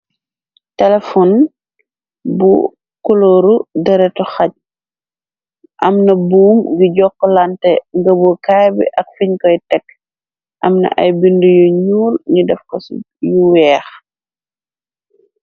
Telefon bu kulóoru deretu xaj. Amna buum bu joka lante ngëbu kaaybi ak fuñ koy tekk. Amna ay bind yu ñuul ñu defku ci lu weex.